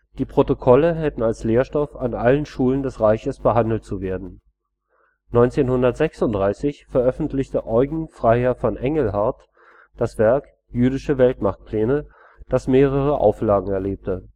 die Protokolle hätten als Lehrstoff an allen Schulen des Reiches behandelt zu werden. 1936 veröffentlichte Eugen Freiherr Engelhardt das Werk Jüdische Weltmachtpläne, das mehrere Auflagen erlebte